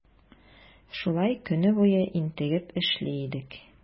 Шулай көне буе интегеп эшли идек.